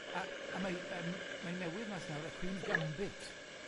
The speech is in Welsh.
A a mae yym mae un newydd mas nawr, y Queen's Gambit.